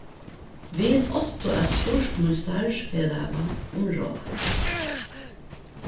vit áttu at spurt mín starvsfelaga um ráð